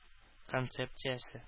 Концепциясе